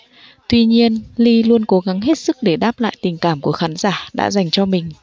tuy nhiên lee luôn cố gắng hết sức để đáp lại tình cảm của khán giả đã dành cho mình